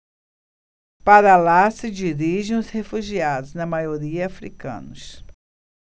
para lá se dirigem os refugiados na maioria hútus